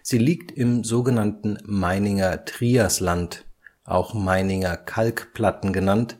Sie liegt im sogenannten Meininger Triasland, auch Meininger Kalkplatten genannt,